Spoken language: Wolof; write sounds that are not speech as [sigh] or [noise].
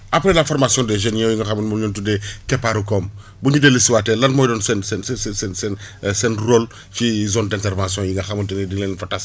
après la formation des jeunes yooyu nga xam ne moom la ñu tuddee [breath] keppaaru koom [breath] bu ñu dellu si waatee lan mooy doon seen seen seen seen seen rôle ci zone d' intervention yi nga xamante ni dañ leen fa tas